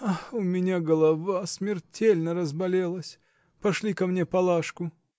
Ах, у меня голова смертельно разболелась! Пошли ко мне Палашку.